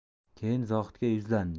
keyin zohidga yuzlandi